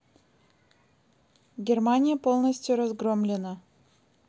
германия полностью разгромлена